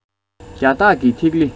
རྒྱ སྟག གི ཐིག ལེ